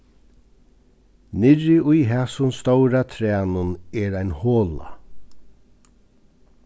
niðri í hasum stóra trænum er ein hola